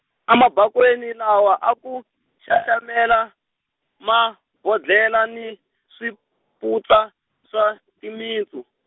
emabakweni lawa a ku, xaxamele mabodlela ni, swiputsa swa, timintsu.